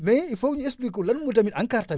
mais il faut ñu expliqué ko lan mooy tamit ANCAR tamit